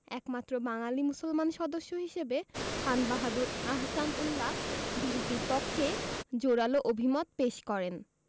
একমাত্র বাঙালি মুসলমান সদস্য হিসেবে খান বাহাদুর আহসানউল্লাহ বিলটির পক্ষে জোরালো অভিমত পেশ করেন